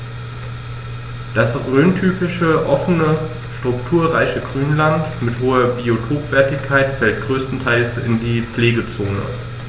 Das rhöntypische offene, strukturreiche Grünland mit hoher Biotopwertigkeit fällt größtenteils in die Pflegezone.